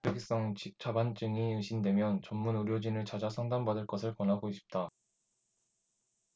일단 알레르기성 자반증이 의심되면 전문 의료진을 찾아 상담 받을 것을 권하고 싶다